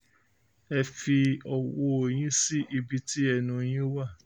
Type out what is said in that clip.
Ẹ fi owó yín sí ibi tí ẹnu yín wà.